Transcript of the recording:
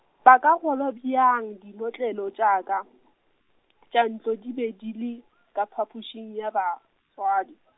ba ka nkgolwa bjang, dinotlelo tša ka , tša ntlo, di be di le , ka phapošing ya batswadi.